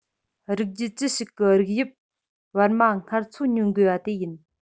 རིགས རྒྱུད ཅི ཞིག གི རིགས དབྱིབས བར མ སྔར འཚོ མྱོང དགོས པ དེ ཡིན